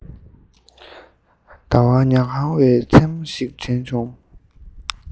ཟླ བ ཉ གང བའི མཚན མོ ཞིག དྲན བྱུང